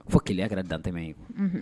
Fo kɛlɛ kɛra dantɛmɛ ye